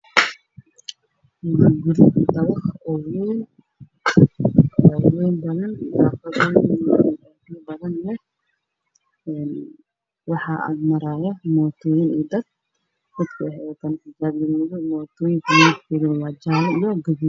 Waa guri dabaq ah oo wayn waxaa leeyahay daaqado badan waxaa ag maraayo mootooyin iyo dad. Dadka waxay wataan dhar gaduudan, mootooyinka midabkooda gaduud iyo jaale.